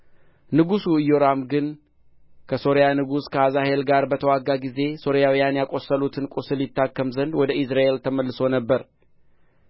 ንጉሡ ኢዮራም ግን ከሶርያ ንጉሥ ከአዛሄል ጋር በተዋጋ ጊዜ ሶርያውያን ያቈሰሉትን ቍስል ይታከም ዘንድ ወደ ኢይዝራኤል ተመልሶ ነበር